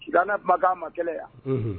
Na kuma' a ma kɛlɛ yan